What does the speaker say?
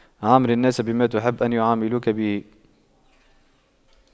عامل الناس بما تحب أن يعاملوك به